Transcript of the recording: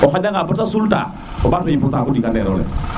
o xaƴa ga bata sul ta o mbato yipo saaku ɗika ndero le